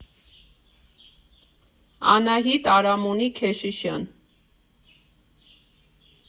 Անահիտ Արամունի Քեշիշյան։